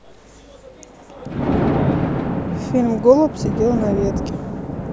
фильм голубь сидел на ветке